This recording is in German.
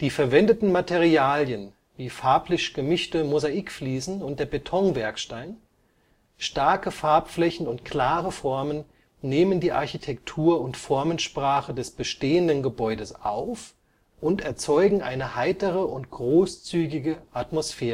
verwendeten Materialien wie farblich gemischte Mosaikfliesen und der Betonwerkstein, starke Farbflächen und klare Formen nehmen die Architektur und Formensprache des bestehenden Gebäudes auf und erzeugen eine heitere und großzügige Atmosphäre